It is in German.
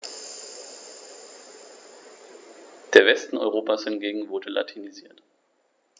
Der Westen Europas hingegen wurde latinisiert.